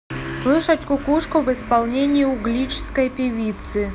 слушать кукушку в исполнении угличской певицы